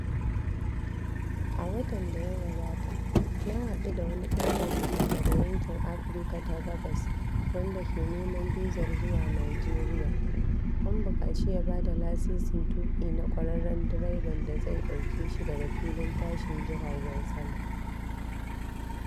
A watan da ya gabata, na haɗu da wani ɗan jarida daga yankin Afirka ta Gabas wanda ke neman bizar zuwa Nijeriya. An buƙaci ya ba da lasisin tuƙi na ƙwararren direban da zai ɗauke shi daga filin tashin jiragen sama!